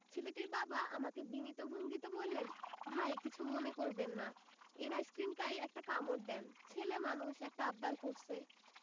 ছেলেটির বাবা আমাকে বিনীত ভঙ্গিতে বললেন ভাই কিছু মনে করবেন না এর আইসক্রিমটায় একটা কামড় দেন ছেলে মানুষ একটা আব্দার করছে